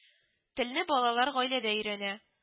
Телне балалар гаиләдә өйрәнә